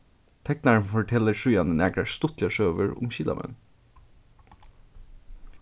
teknarin fortelur síðani nakrar stuttligar søgur um skilamenn